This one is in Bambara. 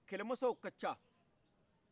kɛlɛ masaw ka can